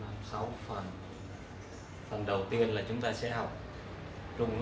phần phần đầu tiên là chúng ta sẽ học